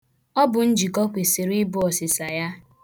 Ọ bụ njikọ kwesiri ịbụ ọsịsa ya.